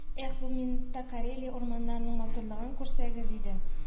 Эх, бу минутта Карелия урманының матурлыгын күрсәгез иде